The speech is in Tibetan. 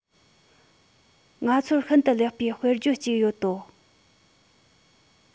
ང ཚོར ཤིན ཏུ ལེགས པའི དཔེར བརྗོད ཅིག ཡོད དོ